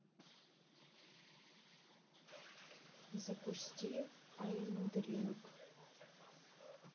запусти айдринк